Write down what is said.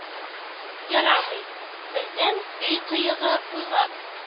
Ярамый. Бердән, өй кыегы буйлап